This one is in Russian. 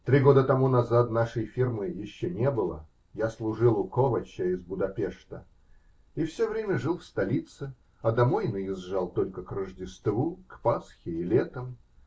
Три года тому назад нашей фирмы еще не было, я служил у Ковача из Будапешта и все время жил в столице, а домой наезжал только к Рождеству, к Пасхе и летом.